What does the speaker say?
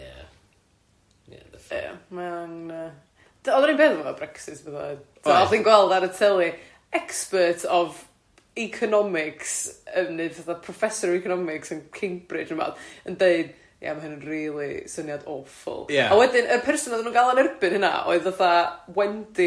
Ie, ie. Mae o'n yy d- odd o'r un peth efo Brexit a petha' oedd, oddach chdi'n gweld ar y teli expert of economics neu fatha professor of economics yn Cambridge neu 'wbath yn deud ia ma' hyn yn rili syniad awful... Ia ...a wedyn y person oedden nhw'n gâl yn erbyn hynna oedd fatha Wendy o...